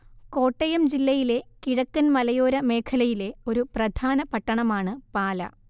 കോട്ടയം ജില്ലയിലെ കിഴക്കൻ മലയോര മേഖലയിലെ ഒരു പ്രധാന പട്ടണമാണ് പാലാ